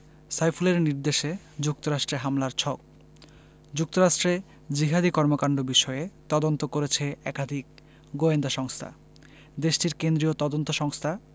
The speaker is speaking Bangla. সাইফুলের নির্দেশে যুক্তরাষ্ট্রে হামলার ছক যুক্তরাষ্ট্রে জিহাদি কর্মকাণ্ড বিষয়ে তদন্ত করেছে একাধিক গোয়েন্দা সংস্থা দেশটির কেন্দ্রীয় তদন্ত সংস্থা